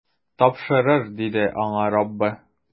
Тапшырыр, - диде аңа Раббы.